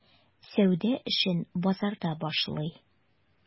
Сәүдә эшен базарда башлый.